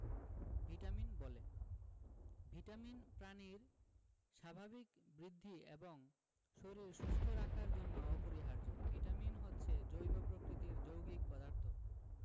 vitamin বলে vitamin প্রাণীর স্বাভাবিক বৃদ্ধি এবং শরীর সুস্থ রাখার জন্য অপরিহার্য ভিটামিন হচ্ছে জৈব প্রকৃতির যৌগিক পদার্থ